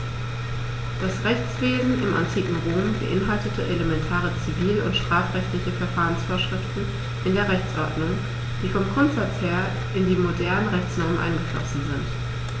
Das Rechtswesen im antiken Rom beinhaltete elementare zivil- und strafrechtliche Verfahrensvorschriften in der Rechtsordnung, die vom Grundsatz her in die modernen Rechtsnormen eingeflossen sind.